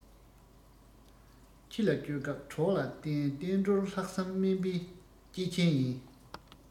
ཕྱི ལ སྐྱོད སྐབས གྲོགས ལ བརྟེན བསྟན འགྲོར ལྷག བསམ སྨན པའི སྐྱེ ཆེན ཡིན